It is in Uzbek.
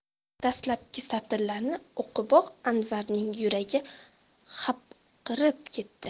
dastlabki satrlarni o'qiboq anvarning yuragi hapriqib ketdi